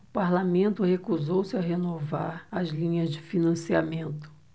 o parlamento recusou-se a renovar as linhas de financiamento